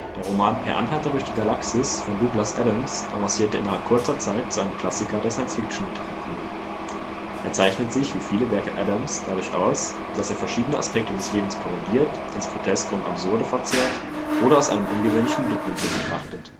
Der Roman Per Anhalter durch die Galaxis von Douglas Adams avancierte innerhalb kurzer Zeit zu einem Klassiker der Science-Fiction-Literatur. Er zeichnet sich wie viele Werke Adams’ dadurch aus, dass er verschiedene Aspekte des Lebens parodiert, ins Groteske und Absurde verzerrt oder aus einem ungewöhnlichen Blickwinkel betrachtet